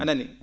a nanii